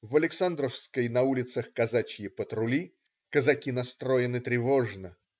В Александровской на улицах казачьи патрули, казаки настроены тревожно.